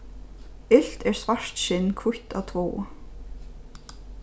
ilt er svart skinn hvítt at tváa